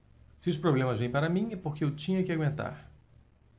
se os problemas vêm para mim é porque eu tinha que aguentar